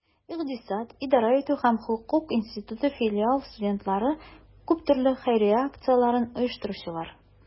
Икътисад, идарә итү һәм хокук институты филиалы студентлары - күп төрле хәйрия акцияләрен оештыручылар.